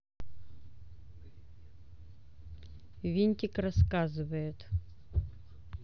винтик рассказывает